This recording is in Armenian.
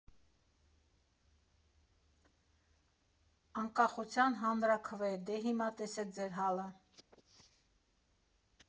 Անկախության հանրաքվե՞, դե՛, հիմա տեսեք ձեր հալը։